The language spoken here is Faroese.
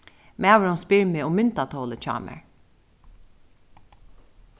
maðurin spyr meg um myndatólið hjá mær